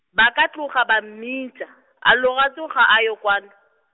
ba ka tloga ba mmitsa, a Lorato ga a yo kwan-.